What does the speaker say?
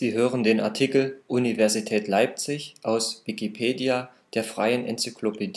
hören den Artikel Universität Leipzig, aus Wikipedia, der freien Enzyklopädie